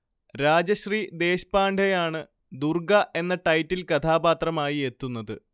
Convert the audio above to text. രാജശ്രീ ദേശ്പാണ്ഡേയാണ് ദുർഗ എന്ന ടൈറ്റിൽ കഥാപാത്രമായി എത്തുന്നത്